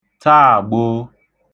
Tagbo